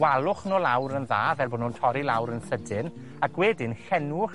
walwch nw lawr yn dda, fel bo' nw'n torri lawr yn sydyn, ac wedyn llenwch